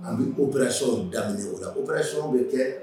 A ko bara sw daminɛ o la ko kɛra sw bɛ kɛ